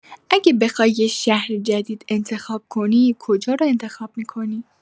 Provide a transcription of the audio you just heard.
اگه بخوای یه شهر جدید انتخاب کنی، کجا رو انتخاب می‌کنی؟